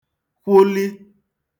kwụli